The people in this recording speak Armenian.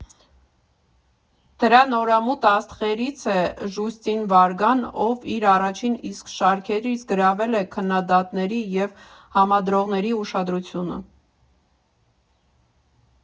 Դրա նորամուտ աստղերից է Ժուստին Վարգան, ով իր առաջին իսկ շարքերից գրավել է քննադատների և համադրողների ուշադրությունը։